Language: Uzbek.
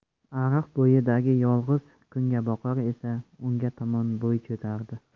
ariq bo'yidagi yolg'iz kungaboqar esa unga tomon bo'y cho'zardi